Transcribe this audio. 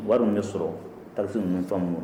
Wari min bɛ sɔrɔ taxe ninnu ni fɛn ninnu